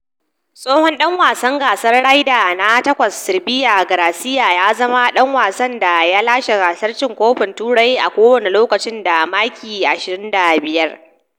Tsohon dan wasa gasar Ryder na takwas, Serbia Garcia ya zama dan wasan da ya lashe gasar cin kofin Turai a kowane lokaci da maki 25.5.